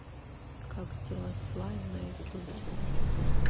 как сделать слайм на ютубе